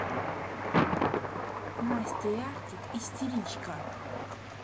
настя и artik истеричка